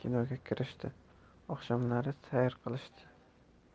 kinoga kirishdi oqshomlari sayr qilishdi